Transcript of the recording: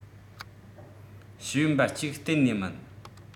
ཤེས ཡོན པ གཅིག གཏན ནས མིན